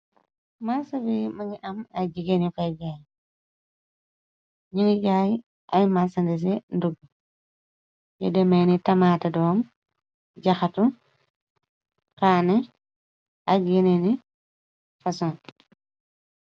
Marse bi mongi am ak jigeeni yu faay jaay nyugi jaay ay màrsandese ndugu yu demeeni tamaata doom jaxatu kani ak geneeni fason.